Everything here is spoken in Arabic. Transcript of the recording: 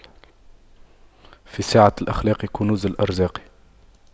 في سعة الأخلاق كنوز الأرزاق